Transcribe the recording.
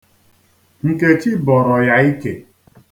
Nkechi bọrọ ya ike